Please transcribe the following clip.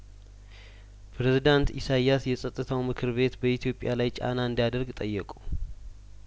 ፕሬዝዳንት ኢሳያስ የጸጥታው ምክር ቤት በኢትዮጵያ ላይ ጫና እንዲያደርግ ጠየቁ